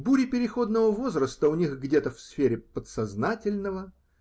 бури переходного возраста у них где-то в сфере подсознательного